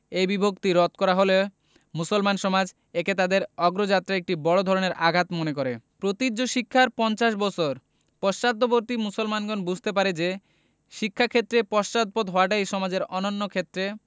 এ বিভক্তি রদ করা হলে মুসলমান সমাজ একে তাদের অগ্রযাত্রায় একটি বড় ধরনের আঘাত বলে মনে করে প্রতীচ্য শিক্ষায় পঞ্চাশ বছর পশ্চাদ্বর্তী মুসলমানগণ বুঝতে পারে যে শিক্ষাক্ষেত্রে পশ্চাৎপদ হওয়াটাই সমাজের অনন্য ক্ষেত্রে